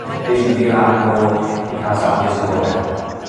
Neu siŵr bo' digon o arian ar ôl i ca'l sandwiches yn y bore.